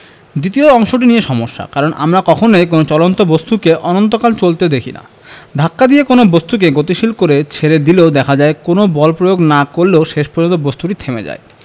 দ্বিতীয় অংশটি নিয়ে সমস্যা কারণ আমরা কখনোই কোনো চলন্ত বস্তুকে অনন্তকাল চলতে দেখি না ধাক্কা দিয়ে কোনো বস্তুকে গতিশীল করে ছেড়ে দিলেও দেখা যায় কোনো বল প্রয়োগ না করলেও শেষ পর্যন্ত বস্তুটা থেমে যায়